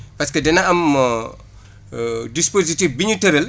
parce que dina am dispositif bi ñu tëral